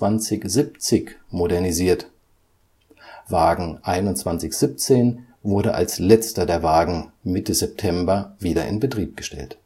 2170 modernisiert, Wagen 2117 wurde als letzter der Wagen Mitte September wieder in Betrieb gestellt